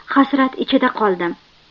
hasrat ichida qoldim